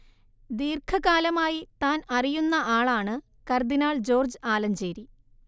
ദ്വീർഘകാലമായി താൻ അറിയുന്ന ആളാണ് കർദിനാൾ ജോർജ്ജ് ആലഞ്ചേരി